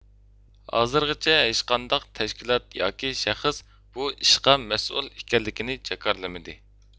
ھازىرغىچە ھېچقانداق تەشكىلات ياكى شەخس بۇ ئىشقا مەسئۇل ئىكەنلىكىنى جاكارلىمىدى